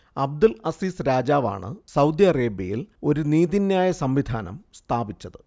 Abdul Aziz രാജാവാണ് സൗദി അറേബ്യയിൽ ഒരു നീതിന്യായ സംവിധാനം സ്ഥാപിച്ചത്